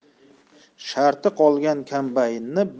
sharti qolgan kombaynni